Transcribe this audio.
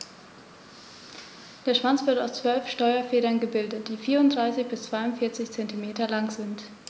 Der Schwanz wird aus 12 Steuerfedern gebildet, die 34 bis 42 cm lang sind.